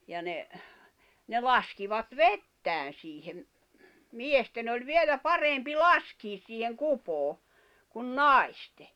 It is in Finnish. ja ne ne laskivat vettään siihen miesten oli vielä parempi laskea siihen kupoon kuin naisten